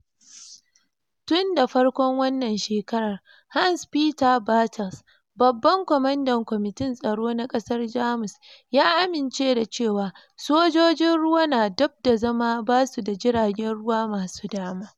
Tun da farkon wannan shekarar, Hans-Peter Bartels, babban kwamandan kwamitin tsaro na ƙasar Jamus, ya amince da cewa sojojin ruwa "na dab da zama basu da jiragen ruwa masu dama."